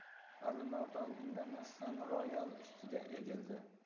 alimardon indamasdan royal ustiga egildi